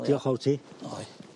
...diolch fowr ti.